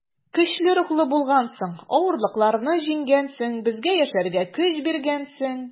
Көчле рухлы булгансың, авырлыкларны җиңгәнсең, безгә яшәргә көч биргәнсең.